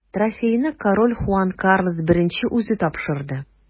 Трофейны король Хуан Карлос I үзе тапшырды.